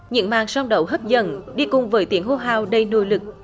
những màn song đấu hấp dẫn đi cùng với tiếng hô hào đầy nội lực